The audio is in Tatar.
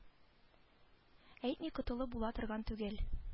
Әйтми котылып була торган түгел